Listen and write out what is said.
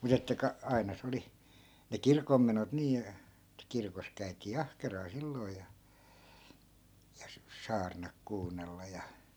mutta että - aina se oli ne kirkonmenot niin että kirkossa käytiin ahkeraan silloin ja ja - saarnat kuunnella ja